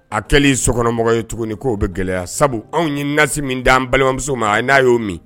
A kɛlen sokɔnɔmɔgɔ ye tuguni k'o bɛ gɛlɛya sabu anw ye nasi min'an balimamuso ma a n'a y'o min